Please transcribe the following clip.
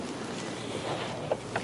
Hmm.